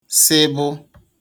sịbụ̄